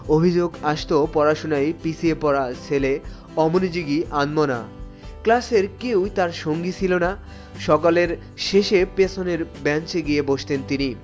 অভিযোগ আসলো পড়াশোনায় পিছিয়ে পড়া ছেলে অমনোযোগী আনমনা ক্লাসের কেউই তার সঙ্গী ছিল না সকলের শেষে পেছনের বেঞ্চে গিয়ে বসতেন তিনি